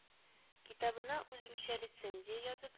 Китабына үземчә рецензия язып